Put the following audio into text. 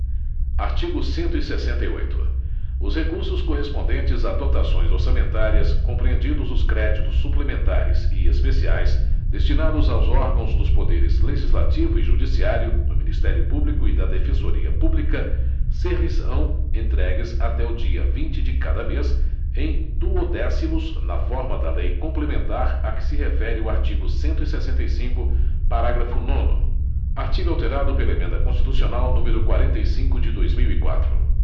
artigo cento e sessenta e oito os recursos correspondentes a dotações orçamentárias compreendidos os créditos suplementares e especiais destinados aos órgãos dos poderes legislativo e judiciário do ministério público e da defensoria pública ser lhes ão entregues até o dia vinte de cada mês em duodécimos na forma da lei complementar a que se refere o artigo cento e sessenta e cinco parágrafo nono artigo alterado pela emenda constitucional número quarenta e cinco de dois mil e quatro